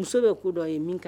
Muso bɛ kodɔn ye